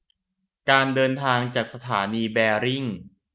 การเดินทางจากสถานีแบริ่ง